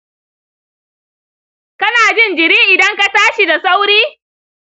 kana jin jiri idan ka tashi da sauri?